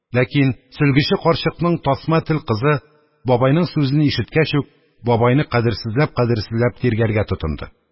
Ләкин сөлгече карчыкның тасма тел кызы, бабайның сүзене ишеткәч үк, бабайны кадерсезләп-кадерсезләп тиргәргә тотынды.